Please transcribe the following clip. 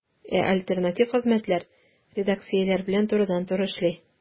Ә альтернатив хезмәтләр редакцияләр белән турыдан-туры эшли.